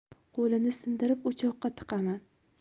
qo'lini sindirib o'choqqa tiqaman